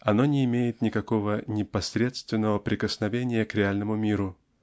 оно не имеет никакого непосредственного прикосновения к реальному миру